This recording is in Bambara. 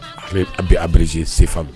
A a bɛ arize senfa